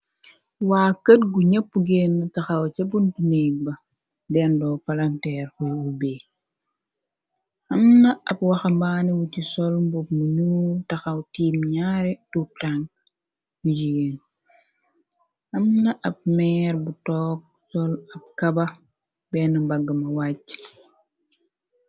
waa kët gu ñepp genn taxaw ca buntuneeg ba dendoo palanteer xuy ub amna ab waxa mbaaniwu ci sol mbob mu nu taxaw tiim ñaare tuubtank yu jigeen amna ab meer bu toog sol ab kaba benn mbaggma wàcc